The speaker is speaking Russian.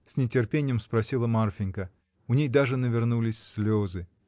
— с нетерпением спросила Марфинька. У ней даже навернулись слезы.